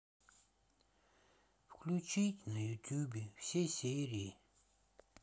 включить на ютубе все серии